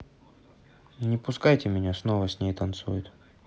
не пускайте меня снова с ней танцует